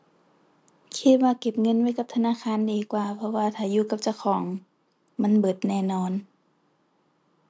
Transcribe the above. คิดว่าเก็บเงินไว้กับธนาคารดีกว่า เพราะว่าถ้าอยู่กับเจ้าของ มันเบิดแน่นอน